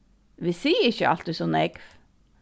vit siga ikki altíð so nógv